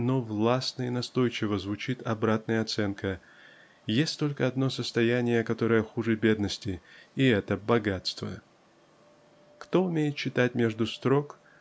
но властно и настойчиво звучит обратная оценка "есть только одно состояние которое хуже бедности и это -- богатство". Кто умеет читать между строк